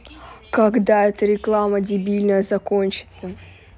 когда эта реклама дебильная закончится